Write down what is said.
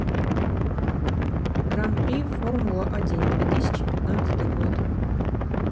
гран при формула один две тысячи пятнадцатый год